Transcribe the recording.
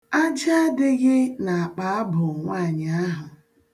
Ajị adịghị n'akpaabụ nwaanyị ahụ.